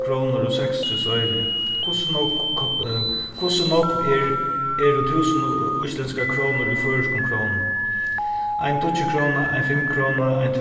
krónur og seksogtrýss oyru hvussu nógv hvussu nógv er eru túsund íslendskar krónur í føroyskum krónum ein tíggjukróna ein fimmkróna ein